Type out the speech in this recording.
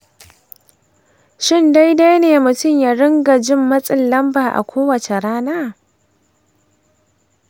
shin daidai ne mutum ya riƙa jin matsin lamba a kowace rana?